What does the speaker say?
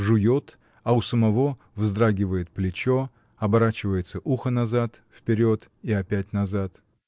Жует, а у самого вздрагивает плечо, оборачивается ухо назад, вперед и опять назад.